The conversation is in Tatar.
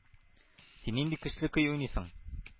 Син нинди көчле көй уйныйсың,